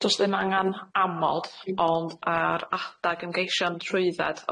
do's ddim angan amod ond ar adag ymgeisio am trwydded